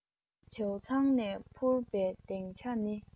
བྱེའུ ཚང ནས འཕུར པའི གདེང ཆ ནི